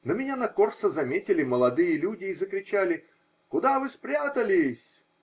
Но меня на Корсо заметили молодые люди и закричали: -- Куда вы спрятались?